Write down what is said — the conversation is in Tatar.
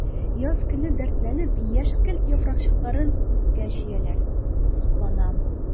Яз көне дәртләнеп яшькелт яфракчыкларын күккә чөяләр— сокланам.